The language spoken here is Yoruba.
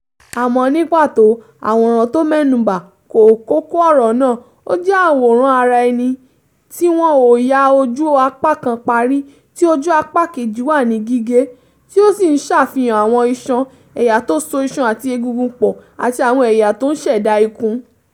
Àmọ́, ní pàtó, àwòrán to mẹ́nuba kò kókó ọ̀rọ̀ náà: Ó jẹ́ àwòrán ara ẹni tí wọn ò ya ojú apá kan parí, tí ojú apá kejì wà ní gígé, tí ó sì ń ṣàfihan àwọn iṣan, ẹ̀yà tó so iṣan àti egungun pọ̀ àti àwọn ẹ̀yà tó ń ṣẹ̀dá ikun.